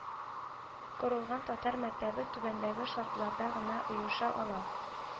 Корылган татар мәктәбе түбәндәге шартларда гына оеша ала: